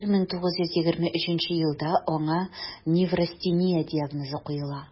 1923 елда аңа неврастения диагнозы куела: